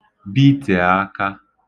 bītè aka